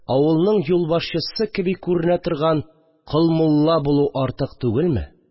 Авылның юлбашчысы кеби күренә торган «кол мулла» булу артык түгелме